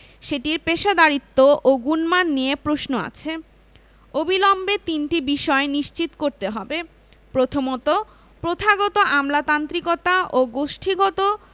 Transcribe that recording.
সেটির পেশাদারিত্ব ও গুণমান নিয়ে প্রশ্ন আছে অবিলম্বে তিনটি বিষয় নিশ্চিত করতে হবে প্রথমত প্রথাগত আমলাতান্ত্রিকতা ও গোষ্ঠীগত